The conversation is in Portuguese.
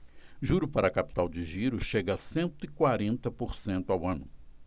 juro para capital de giro chega a cento e quarenta por cento ao ano